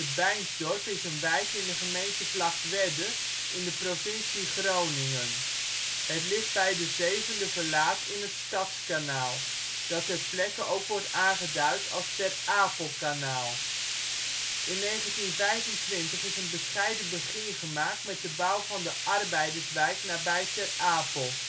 Beinsdorp is een wijk in de gemeente Vlagtwedde in de provincie Groningen. Het ligt bij de zevende verlaat in het Stadskanaal, dat ter plekke ook wordt aangeduid als Ter Apelkanaal. In 1925 is een bescheiden begin gemaakt met de bouw van de arbeiderswijk nabij Ter Apel